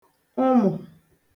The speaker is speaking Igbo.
ụmụ̀